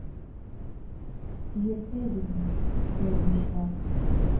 Йөртә безне язмышлар.